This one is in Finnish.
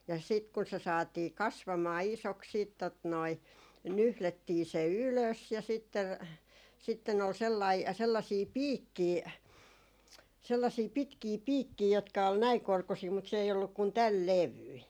ja sitten kun se saatiin kasvamaan isoksi sitten tuota noin nyhdettiin se ylös ja sitten sitten oli sellainen sellaisia piikkejä sellaisia pitkiä piikkejä jotka oli näin korkuisia mutta se ei ollut kuin tämän levyinen